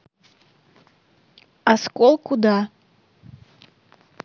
оскол куда